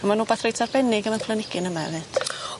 A ma'n wbath reit arbennig yn y planhigyn yma efyd.